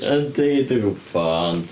Yndi, dwi'n gwbod ond...